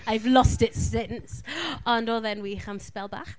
I've lost it since! Ond oedd e'n wych am sbel bach.